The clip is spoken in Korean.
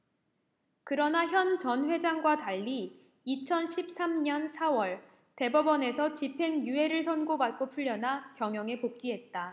그러나 현 전 회장과 달리 이천 십 삼 년 사 월 대법원에서 집행유예를 선고 받고 풀려나 경영에 복귀했다